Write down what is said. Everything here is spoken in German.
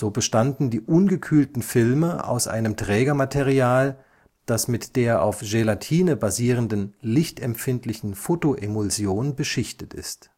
bestanden die ungekühlten Filme aus einem Trägermaterial, das mit der auf Gelatine basierenden lichtempfindlichen Fotoemulsion beschichtet ist